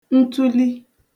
ntuli